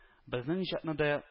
Безнең иҗатны да